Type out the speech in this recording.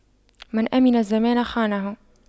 من أَمِنَ الزمان خانه